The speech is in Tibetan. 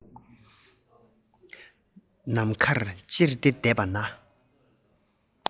ནམ མཁར ཅེར ཏེ བསྡད པ ན